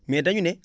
mais dañu ne